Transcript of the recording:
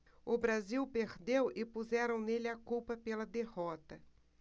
o brasil perdeu e puseram nele a culpa pela derrota